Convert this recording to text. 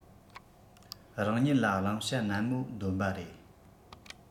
རང ཉིད ལ བླང བྱ ནན མོ འདོན པ རེད